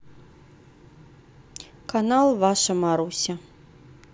канал ваша маруся